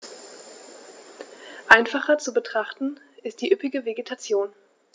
Einfacher zu betrachten ist die üppige Vegetation.